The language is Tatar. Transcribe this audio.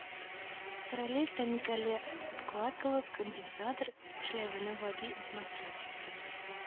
Параллель тәлинкәле (обкладкалы) конденсатор эшләвенең гади демонстрациясе